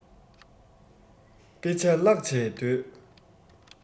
དཔེ ཆ བཀླགས བྱས སྡོད